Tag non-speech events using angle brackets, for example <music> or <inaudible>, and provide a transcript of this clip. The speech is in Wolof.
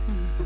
<hesitation> <hesitation>